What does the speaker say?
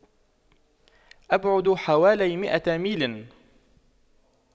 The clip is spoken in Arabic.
أبعد حوالي مئة ميل